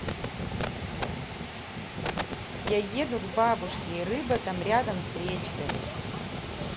я еду к бабушке и рыба там рядом с речкой